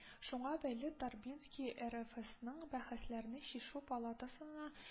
Шуңа бәйле Торбинский РФСның бәхәсләрне чишү палатасына